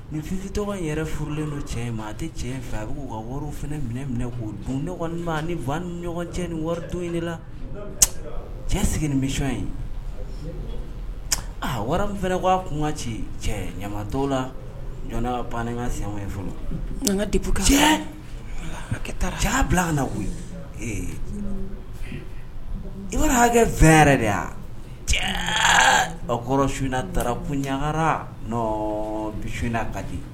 Nin fisi tɔgɔ in yɛrɛ furulen don cɛ in ma a tɛ cɛ in fɛ a bɛ k'u ka woro fana minɛ minɛ k'o dun ɲɔgɔn ma ni ni ɲɔgɔn cɛ ni wari to de la cɛn sigi ni bɛsiɔn ye aa wara fana kunkan ci cɛ ɲamatɔ la jɔn bankansi ye fɔlɔ ka hakɛ ca bila ka na ye ee ibara hakɛ fɛ yɛrɛ de yan cɛ ba kɔrɔ sunjata inina taara ko ɲagayarara biina ka di